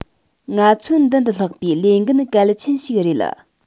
ང ཚོའི མདུན དུ ལྷགས པའི ལས འགན གལ ཆེན ཞིག རེད